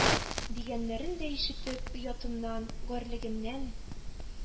— дигәннәрен дә ишетеп, оятымнан, гарьлегемнән